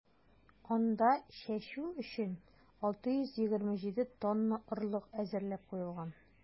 Анда чәчү өчен 627 тонна орлык әзерләп куелган.